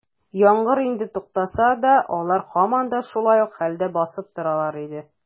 Яңгыр инде туктаса да, алар һаман да шул ук хәлдә басып торалар иде.